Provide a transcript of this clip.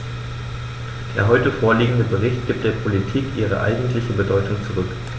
Der heute vorliegende Bericht gibt der Politik ihre eigentliche Bedeutung zurück.